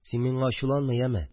Син миңа ачуланма, яме